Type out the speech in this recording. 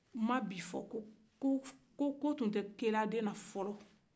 n ma bi fɔ ko ko tun tɛ kɛla den na fɔlɔ